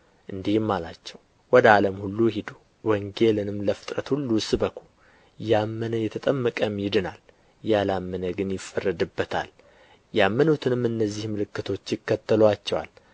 እንዲህም አላቸው ወደ ዓለም ሁሉ ሂዱ ወንጌልንም ለፍጥረት ሁሉ ስበኩ ያመነ የተጠመቀም ይድናል ያላመነ ግን ይፈረድበታል ያመኑትንም እነዚህ ምልክቶች ይከተሉአቸዋል